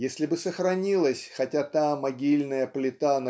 если бы сохранилась хотя та могильная плита